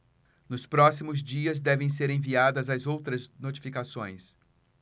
nos próximos dias devem ser enviadas as outras notificações